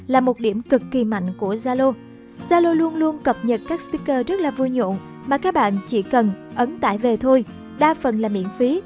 là điểm cực kỳ mạnh của zalo zalo luôn luôn cập nhật các sticker rất là vui nhộn mà các bạn chỉ cần ấn tải về thôi đa phần là miễn phí